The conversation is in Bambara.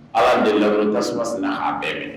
Allah diminna don min tasuma sina na k'a bɛɛ minɛ!